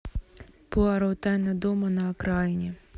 пуаро тайна дома на окраине